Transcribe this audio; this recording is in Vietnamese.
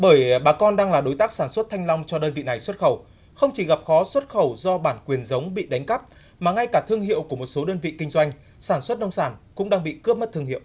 bởi bà con đang là đối tác sản xuất thanh long cho đơn vị này xuất khẩu không chỉ gặp khó xuất khẩu do bản quyền giống bị đánh cắp mà ngay cả thương hiệu của một số đơn vị kinh doanh sản xuất nông sản cũng đang bị cướp mất thương hiệu